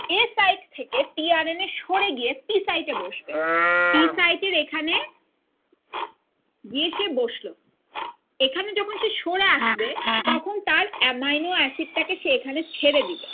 এ site থেকে T R N A সরে গিয়ে পি সাইট এ বসবে পি সাইটের এখানে গিয়ে সে বসলো এখানে যখন সে সরে আসবে তখন তার এমাইনো এসিড টা কে সে এখানে ছেড়ে দিবে